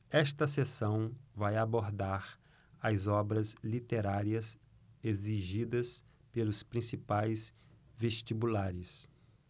esta seção vai abordar as obras literárias exigidas pelos principais vestibulares